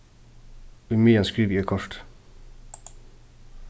ímeðan skrivi eg kortið